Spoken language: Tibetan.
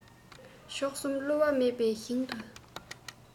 མཆོག གསུམ བསླུ བ མེད པའི ཞིང དུ